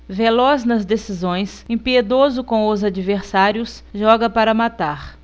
veloz nas decisões impiedoso com os adversários joga para matar